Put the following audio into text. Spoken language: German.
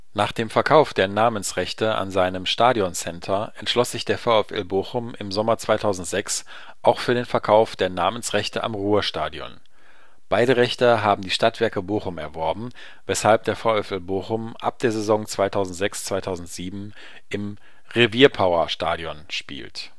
Nach dem Verkauf der Namensrechte an seinem Stadioncenter entschloss sich der VfL Bochum im Sommer 2006 auch für den Verkauf der Namensrechte am Ruhrstadion. Beide Rechte haben die Stadtwerke Bochum erworben, weshalb der VfL Bochum ab der Saison 2006/07 im rewirpowerSTADION spielt